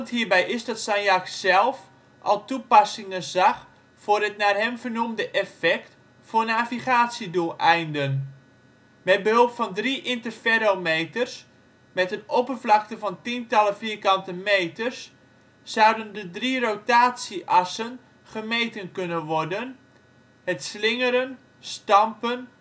hierbij is dat Sagnac zelf al toepassingen zag voor het naar hem vernoemde effect voor navigatiedoeleinden. Met behulp van drie interferometers - met een oppervlakte van tientallen vierkante meters - zouden de drie rotatie-assen gemeten kunnen worden, het slingeren, stampen